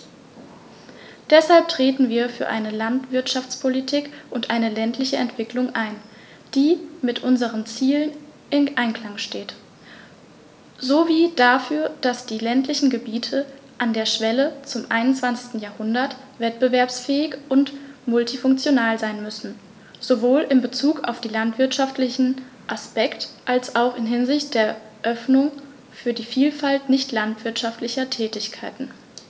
Deshalb treten wir für eine Landwirtschaftspolitik und eine ländliche Entwicklung ein, die mit unseren Zielen im Einklang steht, sowie dafür, dass die ländlichen Gebiete an der Schwelle zum 21. Jahrhundert wettbewerbsfähig und multifunktional sein müssen, sowohl in Bezug auf den landwirtschaftlichen Aspekt als auch hinsichtlich der Öffnung für die Vielfalt nicht landwirtschaftlicher Tätigkeiten.